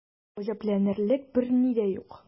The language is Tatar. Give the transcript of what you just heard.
Гаҗәпләнерлек берни дә юк.